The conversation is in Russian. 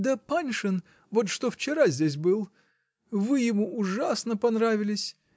-- Да Паншин, вот что вчера здесь был. Вы ему ужасно понравились